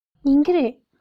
ཡིན གྱི རེད